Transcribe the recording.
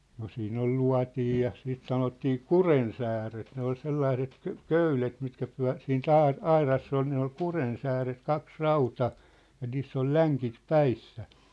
no siinä oli luotin ja sitten sanottiin kurjensääret ne oli sellaiset - köydet mitkä - siitä - aurassa oli ne oli kurjensääret kaksi - ja niissä oli lenkit päissä